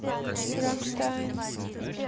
rammstein